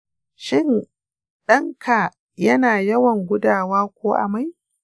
shin ɗan ka yana yawan gudawa ko amai?